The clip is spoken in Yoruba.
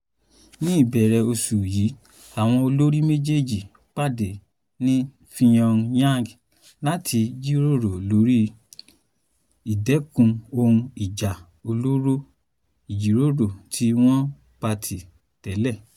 Ní ibẹ̀rẹ̀ oṣù yí, àwọn olórí méjèèjì pàdé ní Pyongyang láti jíròrò lóri ìdẹ́kun ohun ìjà olóró, ìjíròrò tí wọ́n patì tẹ́lẹ̀.